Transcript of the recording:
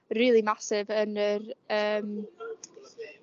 rili massive yn yr yym